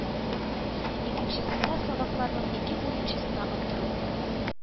Икенчесендә словакларның ике уенчысына оттырдылар.